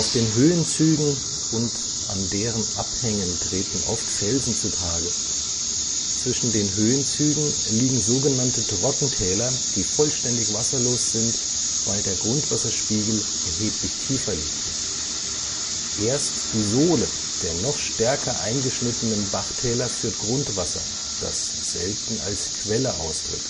den Höhenzügen und an deren Abhängen treten oft Felsen zutage; zwischen den Höhenzügen liegen sogenannte Trockentäler, die vollständig wasserlos sind, weil der Grundwasserspiegel erheblich tiefer liegt. Erst die Sohle der noch stärker eingeschnittenen Bachtäler führt Grundwasser, das selten als Quelle austritt